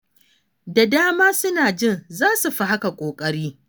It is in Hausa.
Da dama suna jin za su fi haka ƙoƙari.